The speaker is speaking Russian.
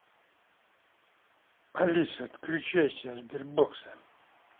алиса отключайся от сбербокса